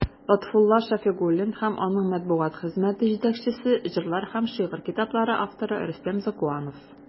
Лотфулла Шәфигуллин һәм аның матбугат хезмәте җитәкчесе, җырлар һәм шигырь китаплары авторы Рөстәм Зәкуанов.